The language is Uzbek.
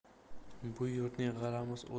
bu yurtning g'alamis odamlarini